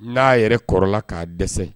N'a yɛrɛ kɔrɔ la k'a dɛsɛ